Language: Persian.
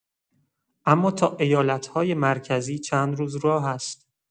اما تا ایالت‌های مرکزی چند روز راه است.